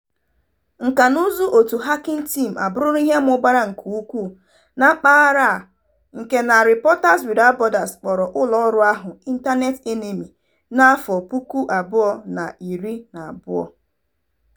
Nkanụzụ òtù Hacking Team abụrụla ihe mụbara nke ukwuu na mpaghara a nke na Reporters Without Borders kpọrọ ụlọọrụ ahụ “Internet Enemy” na 2012.